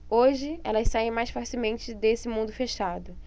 hoje elas saem mais facilmente desse mundo fechado